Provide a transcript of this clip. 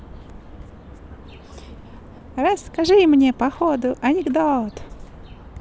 расскажи мне походу анекдот